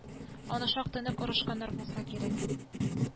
Аны шактый нык орышканнар булса кирәк